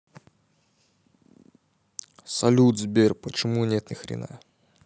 салют сбер почему нет ни хрена